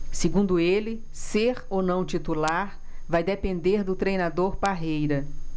segundo ele ser ou não titular vai depender do treinador parreira